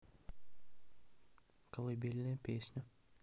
колыбельная песня